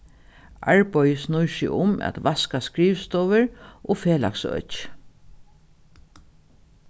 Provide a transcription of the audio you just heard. arbeiðið snýr seg um at vaska skrivstovur og felagsøki